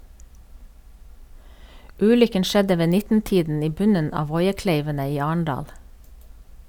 Ulykken skjedde ved 19-tiden i bunnen av Voiekleivene i Arendal.